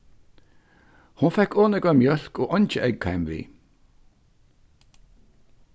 hon fekk ov nógva mjólk og eingi egg heim við